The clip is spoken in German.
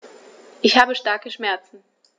Ich habe starke Schmerzen.